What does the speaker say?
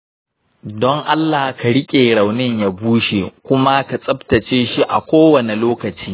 don allah ka riƙe raunin ya bushe kuma ka tsabtace shi a kowane lokaci.